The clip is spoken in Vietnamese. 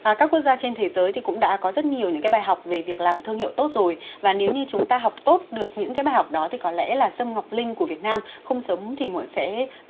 à các quốc gia trên thế giới thì cũng đã có rất nhiều những cái bài học về việc làm thương hiệu tốt rồi và nếu như chúng ta học tốt được những cái bài học đó thì có lẽ là sâm ngọc linh của việt nam không sớm thì muộn sẽ